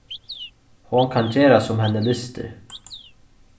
hon kann gera sum henni lystir